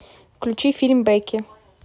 включи фильм бекки